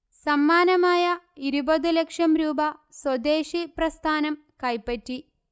സമ്മാനമായ ഇരുപത് ലക്ഷം രൂപ സ്വദേശി പ്രസ്ഥാനം കൈപറ്റി